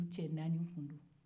u cɛ naani tu do